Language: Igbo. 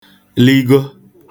lịgo